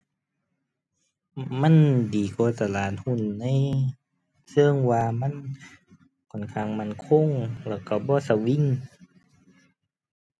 มันดีกว่าตลาดหุ้นในเชิงว่ามันค่อนข้างมั่นคง แล้วก็บ่สวิง